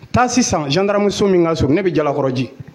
Taa sisan zan jankararamuso min ka so ne bɛ jalakɔrɔji